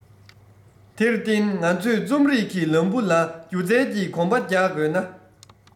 དེར བརྟེན ང ཚོས རྩོམ རིག གི ལམ བུ ལ སྒྱུ རྩལ གྱི གོམ པ རྒྱག དགོས ན